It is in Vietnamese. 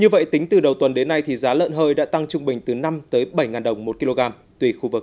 như vậy tính từ đầu tuần đến nay thì giá lợn hơi đã tăng trung bình từ năm tới bảy ngàn đồng một ki lô gam tùy khu vực